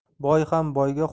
boy ham boyga